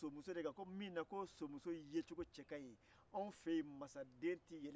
jogojuguni de bɛ mɔgɔ ka jogo fɔ ale bɛ mun kɛ a tɛ o fɔ